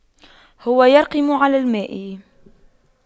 هو يرقم على الماء